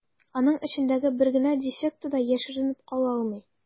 Аның эчендәге бер генә дефекты да яшеренеп кала алмый.